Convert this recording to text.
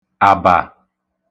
àbà